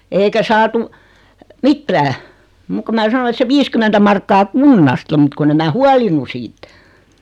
eikä saatu mitään muuta kuin minä sanoin että se viisikymmentä markkaa kunnasta mutta kun en minä huolinut siitä